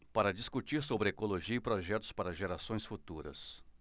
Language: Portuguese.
para discutir sobre ecologia e projetos para gerações futuras